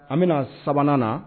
An bɛna sabanan na